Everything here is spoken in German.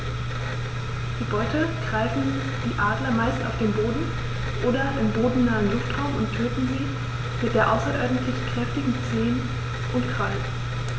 Die Beute greifen die Adler meist auf dem Boden oder im bodennahen Luftraum und töten sie mit den außerordentlich kräftigen Zehen und Krallen.